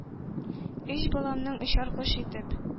— өч бадамдын очар кош итеп,